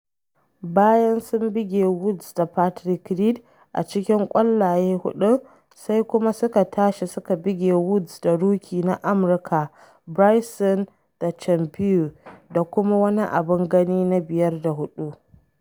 Bayan sun buge Woods da Patrick Reed a cikin ƙwallaye huɗun sai kuma suka tashi suke buge Woods da rookie na Amurka Bryson Dechambeau ta kuma wani abin gani na 5 da 4.